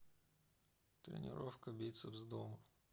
тренировка бицепс дома